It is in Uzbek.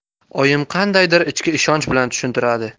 oyim qandaydir ichki ishonch bilan tushuntiradi